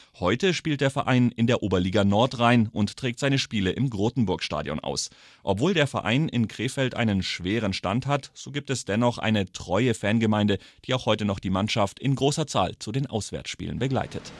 Heute spielt der Verein in der Oberliga Nordrhein und trägt seine Spiele im Grotenburg-Stadion aus. Obwohl der Verein in Krefeld einen schweren Stand hat, so gibt es dennoch eine treue Fangemeinde, die auch heute noch die Mannschaft in großer Zahl zu den Auswärtsspielen begleitet